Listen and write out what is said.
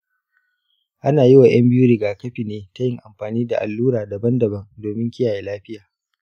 ana yi wa ’yan biyu rigakafi ne ta yin amfani da allurai daban-daban domin kiyaye lafiya.